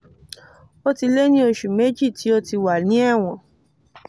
Ó ti lé ní oṣù méjì tí ó ti wà ní ẹ̀wọ̀n.